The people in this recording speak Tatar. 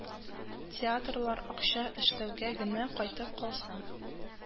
Театрлар акча эшләүгә генә кайтып калса